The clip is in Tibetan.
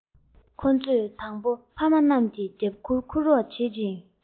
ཁོ ཚོས དང པོ ཕ མ རྣམས ཀྱི རྒྱབ ཁུག འཁུར རོགས བྱེད ཅིང